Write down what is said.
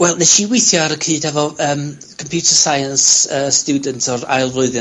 Wel, nes i weithio ar y cyd efo yym, computer science yy student o'r ail flwyddyn...